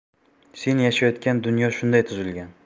sen yashayotgan dunyo shunday tuzilgan